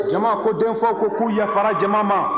jama ko denfaw ko k'u yafara jama ma